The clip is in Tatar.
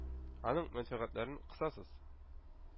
Аның мәнфәгатьләрен кысасыз»,